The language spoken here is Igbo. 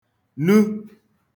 nu